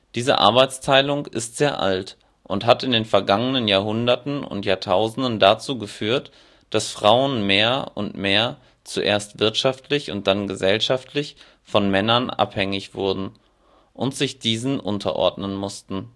Diese Arbeitsteilung ist sehr alt und hat in den vergangenen Jahrhunderten und Jahrtausenden dazu geführt, dass Frauen mehr und mehr – zuerst wirtschaftlich und dann gesellschaftlich – von Männern abhängig wurden und sich diesen unterordnen mussten